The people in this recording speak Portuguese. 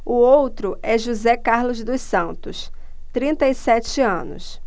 o outro é josé carlos dos santos trinta e sete anos